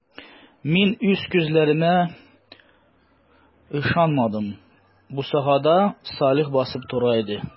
Мин үз күзләремә ышанмадым - бусагада Салих басып тора иде.